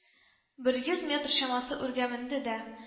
Бер йөз метр чамасы үргә менде дә